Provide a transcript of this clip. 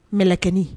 Mɛlɛkɛnin